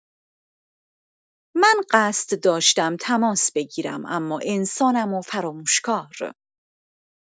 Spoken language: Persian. من قصد داشتم تماس بگیرم، اما انسانم و فراموش‌کار.